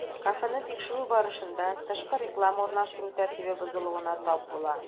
Кафены тикшерү барышында, тышкы реклама урнаштыру тәртибе бозылуына тап була.